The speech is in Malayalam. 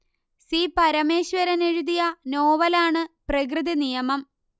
സി പരമേശ്വരൻ എഴുതിയ നോവലാണ് പ്രകൃതിനിയമം